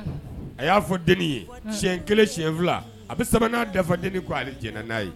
Unhun. A y'a fɔ denni ye. Hun. Siɲɛ kelen, siɲɛ fila, a bɛ sabanan dafa denni ko ale jɛra n'a ye.